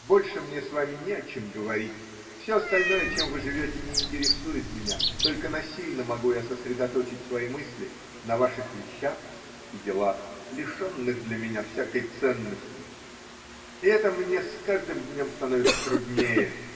Больше мне с вами не о чем говорить: все остальное, чем вы живете, не интересует меня, только насильно могу я сосредоточить свои мысли на ваших вещах и делах, лишенных для меня всякой ценности, – и это мне с каждым днем становится труднее.